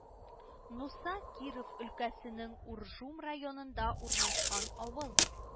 Нуса Киров өлкәсенең Уржум районында урнашкан авыл